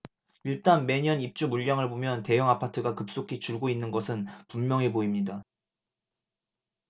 일단 매년 입주 물량을 보면 대형아파트가 급속히 줄고 있는 것은 분명해 보입니다